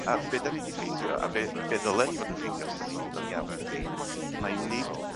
A be' 'dan ni 'di ffeindio a be' be' ddylen ni fod yn ffeindio os 'dyn ni'n neud o'n iawn ydi mai nid